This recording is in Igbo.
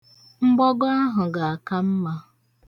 Mgbago ahụ ga-aka mma.